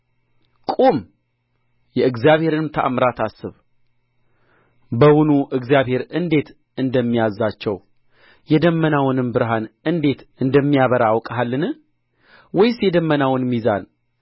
ቁም የእግዚአብሔርንም ተአምራት አስብ በውኑ እግዚአብሔር እንዴት እንደሚያዝዛቸው የደመናውንም ብርሃን እንዴት እንደሚያበራ አውቀሃልን ወይስ የደመናውን ሚዛን